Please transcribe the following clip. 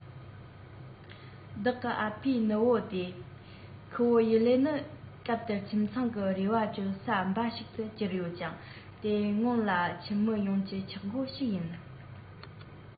བདག གི ཨ ཕའི ནུ བོ སྟེ ཁུ བོ ཡུ ལེ ནི སྐབས དེར ཁྱིམ ཚང གི རེ བ བཅོལ ས འབའ ཞིག ཏུ གྱུར ཡོད ཀྱང དེའི སྔོན ལ ཁྱམ མི ཡོངས ཀྱི ཆག སྒོ ཞིག ཡིན